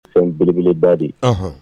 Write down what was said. Fɛn belebeleba de y ɔnhɔn